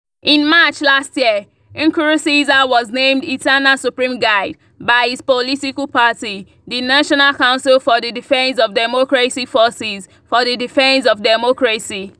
In March last year, Nkurunziza was named "eternal supreme guide" by his political party, the National Council for the Defense of Democracy-Forces for the Defense of Democracy.